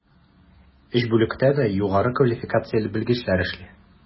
Өч бүлектә дә югары квалификацияле белгечләр эшли.